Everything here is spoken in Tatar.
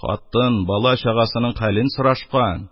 Хатын, бала-чагасының хәлен сорашкан.